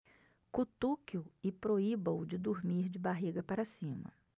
cutuque-o e proíba-o de dormir de barriga para cima